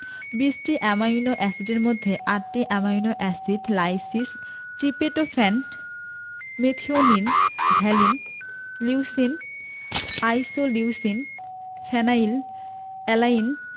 ২০টি অ্যামাইনো এসিডের মধ্যে ৮টি amino acid lysine tryptophan methionine valine leucine isoleucine phenyl align